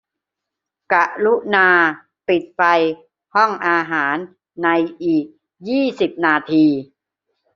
กรุณาปิดไฟห้องอาหารในอีกยี่สิบนาที